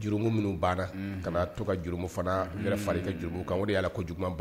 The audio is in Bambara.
Jurumu minnu banna to ka juru fana fa jugu kan ye ala ko jugu